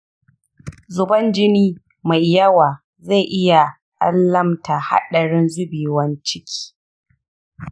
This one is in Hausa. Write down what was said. zuban jini mai yawa zai iya alamta haɗarin zubewan ciki